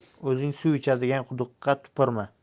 o'zing suv ichadigan quduqqa tupurma